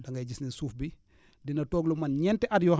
da ngay gis ni suuf bi dina toog lu mat ñeeti at yoo